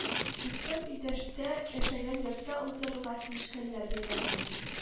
Дустым өйдәштә яшәгән йортта уздырырга килешкәннәр бәйрәмне